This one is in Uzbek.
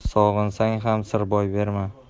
sog'insang ham sir boy berma